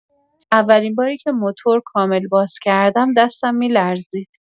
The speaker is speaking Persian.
چرا، اولین باری که موتور کامل باز کردم، دستم می‌لرزید.